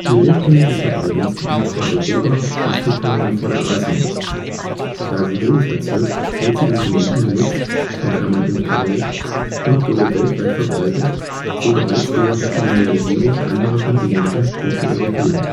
ursprüngliches Verbreitungsgebiet war Europa, Afrika und Vorderasien. Da sie Honig erzeugt, wird sie durch den Menschen genutzt (Imkerei) und wurde weltweit verbreitet; so bereits während der Kolonialisierung anderer Kontinente durch die Europäer. Für